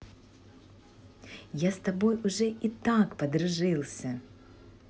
я с тобой уже и так подружился